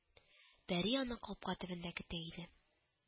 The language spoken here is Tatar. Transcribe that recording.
Пәри аны капка төбендә көтә иде